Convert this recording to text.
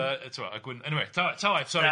Yy tibod a gwyn- eniwe ta- ta waeth sori ia.